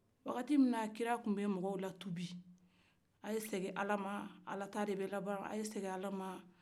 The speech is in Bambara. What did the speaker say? wati min na kira tun bɛ mɔgɔw la tubi a ye segin ala ma ala ta de bɛ la ban